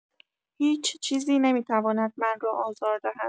هیچ‌چیزی نمی‌تواند من را آزار دهد.